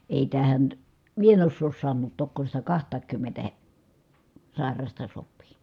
ei tähän minä en osaa sanoa tokko sitä kahtakaankymmentä - sairasta sopii